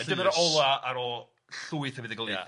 yr olaf ar ôl llwyth o fuddugoliaethau...